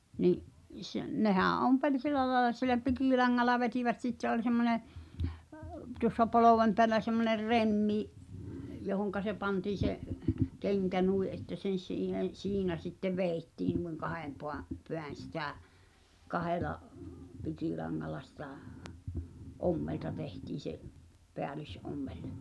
niin - nehän ompeli sillä lailla sillä pikilangalla vetivät sitten oli semmoinen - tuossa polven päällä semmoinen remmi johon se pantiin se kenkä niin että sen siihen siinä sitten vedettiin niin kahden - päin sitä kahdella pikilangalla sitä ommelta tehtiin se päällysommel